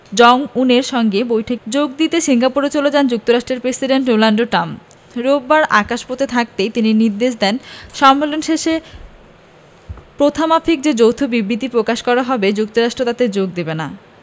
জং উনের সঙ্গে বৈঠকে যোগ দিতে সিঙ্গাপুরে চলে যান যুক্তরাষ্ট্রের প্রেসিডেন্ট ডোনাল্ড ট্রাম্প রোববার আকাশপথে থাকতেই তিনি নির্দেশ দেন সম্মেলন শেষে প্রথামাফিক যে যৌথ বিবৃতি প্রকাশ করা হয় যুক্তরাষ্ট্র তাতে যোগ দেবে না